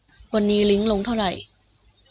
วันนี้ลิ้งลงเท่าไหร่